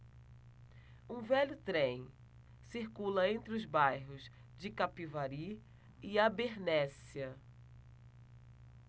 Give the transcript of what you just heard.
um velho trem circula entre os bairros de capivari e abernéssia